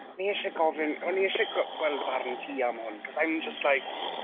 O'n ni ishe gofyn... O'n ni ishe gweld barn ti am hwn cause I'm just like...